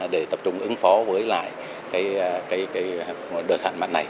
hãy để tập trung ứng phó với lại cái cái cái đợt hạn mặn này